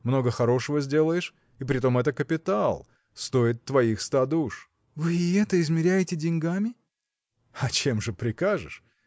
много хорошего сделаешь, и притом это капитал – стоит твоих ста душ. – Вы и это измеряете деньгами? – А чем же прикажешь?